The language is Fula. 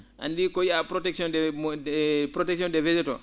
anndii ko wiyaa protection des mo protection des végétaux